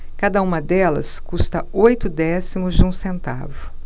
cada uma delas custa oito décimos de um centavo